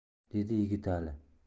dedi yigitali